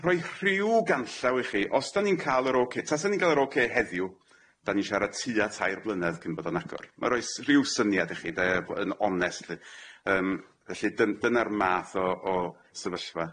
Rhoi rhyw ganllaw i chi os dan ni'n ca'l yr ocê, tasan ni'n ca'l yr ocê heddiw dan ni'n siarad tua tair blynedd cyn bod o'n agor ma' roi s- rhyw syniad i chi de yn onest lly yym felly dyna'r math o o sefyllfa.